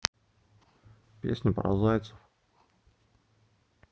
песня про зайцев